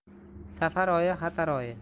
safar oyi xatar oyi